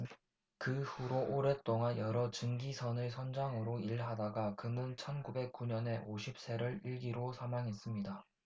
그 후로 오랫동안 여러 증기선의 선장으로 일하다가 그는 천 구백 구 년에 오십 세를 일기로 사망했습니다